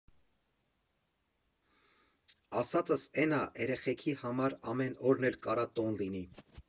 Ասածս էն ա՝ էրեխեքի համար ամեն օրն էլ կարա տոն լինի։